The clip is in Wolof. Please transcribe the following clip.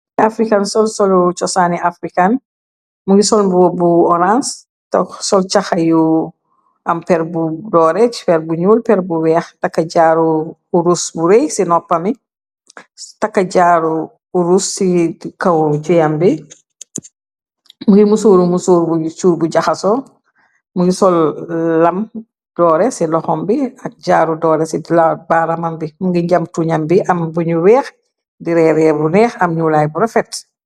Ci afrikane sol solu cosaani afrikaan, muni solbo bu orance, to sol caxa yu am per bu doore, ci per bu ñuul, per bu weex, taka jaaru urus bu rey ci noppami, taka jaaru urus ci kawu joyam bi, mungi musuuru musuur bu cuur bu jaxaso, mu ngi sol lam doore ci loxom bi, ak jaaru doore ci baaramam bi, mungi njamtuñam bi, am buñu weex di reereer bu neex, am ñulaay burafet.